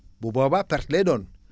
bu boobaa perte lay doon